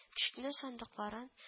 Кечкенә сандыкларын